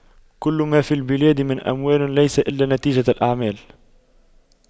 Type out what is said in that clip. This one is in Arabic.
كل ما في البلاد من أموال ليس إلا نتيجة الأعمال